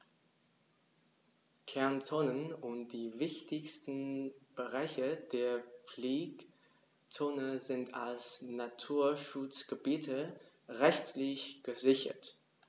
Kernzonen und die wichtigsten Bereiche der Pflegezone sind als Naturschutzgebiete rechtlich gesichert.